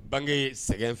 Bange ye sɛgɛn f